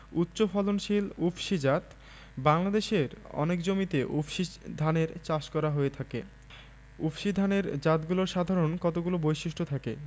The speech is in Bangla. উচ্চফলনশীল উফশী জাতঃ বাংলাদেশের অনেক জমিতে উফশী ধানের চাষ করা হয়ে থাকে উফশী ধানের জাতগুলোর সাধারণ কতগুলো বৈশিষ্ট্য থাকে